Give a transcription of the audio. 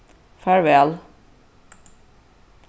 farvæl